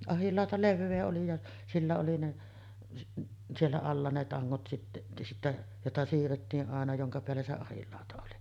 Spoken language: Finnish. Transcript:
ahdinlauta leveä oli ja sillä oli ne siellä alla ne tangot sitten sitten jota siirrettiin aina jonka päällä se ahdinlauta oli